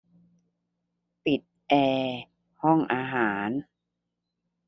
ปิดแอร์ห้องอาหาร